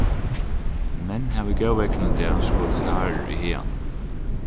menn hava í góðveðrinum í dag skotið harur í haganum